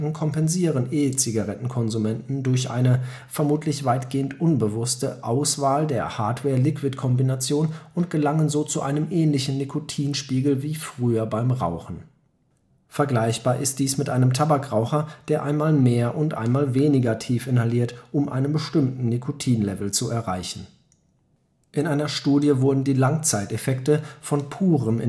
kompensieren E-Zigarettenkonsumenten durch eine (vermutlich weitgehend unbewusste) Auswahl der Hardware-Liquid Kombination und gelangen so zu einem ähnlichen Nikotinspiegel wie früher beim Rauchen. Vergleichbar ist die mit einem Tabakraucher, der einmal mehr, und einmal weniger tief inhaliert, um einen bestimmten Nikotinlevel zu erreichen. In einer Studie wurden die Langzeiteffekte von purem